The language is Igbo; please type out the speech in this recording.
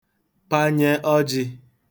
panye ọjị̄